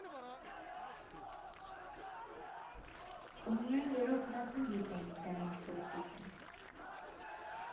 Ու միայն Երրորդ մասում գիտեին՝ դա ինչ գործիք է։